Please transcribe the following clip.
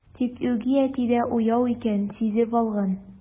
Тик үги әти дә уяу икән, сизеп алган.